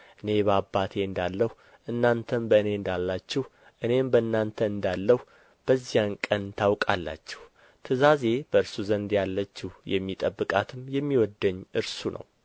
እኔ በአባቴ እንዳለሁ እናንተም በእኔ እንዳላችሁ እኔም በእናንተ እንዳለሁ በዚያን ቀን ታውቃላችሁ ትእዛዜ በእርሱ ዘንድ ያለችው የሚጠብቃትም የሚወደኝ እርሱ ነው